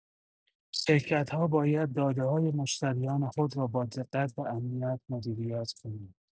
شرکت‌ها باید داده‌های مشتریان خود را با دقت و امنیت مدیریت کنند.